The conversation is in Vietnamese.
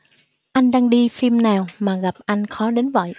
anh đang đi phim nào mà gặp anh khó đến vậy